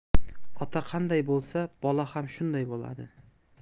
ota qanday bo'lsa bola ham shunda bo'ladi